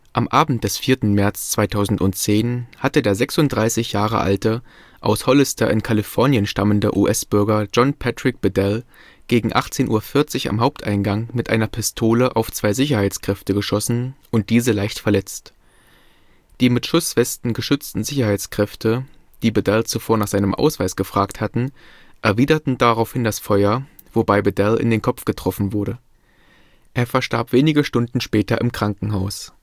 Am Abend des 4. März 2010 hatte der 36 Jahre alte, aus Hollister in Kalifornien stammende US-Bürger John Patrick Bedell gegen 18:40 Uhr am Haupteingang mit einer Pistole auf zwei Sicherheitskräfte geschossen und diese leicht verletzt. Die mit Schusswesten geschützten Sicherheitskräfte – die Bedell zuvor nach seinem Ausweis gefragt hatten – erwiderten daraufhin das Feuer, wobei Bedell in den Kopf getroffen wurde. Er verstarb wenige Stunden später im Krankenhaus